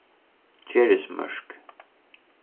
gerðismørk